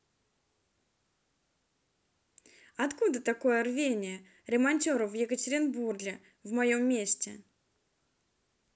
откуда такое рвение ремонтеров в екатеринбурге в моем месте